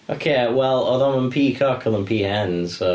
Ocê wel, oedd o ddim yn peacock oedd o'n peahen so...